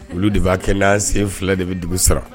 Olu de b'a kɛ sen fila de bɛ dugu sara